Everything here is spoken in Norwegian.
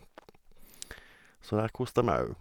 Så der koste jeg meg òg.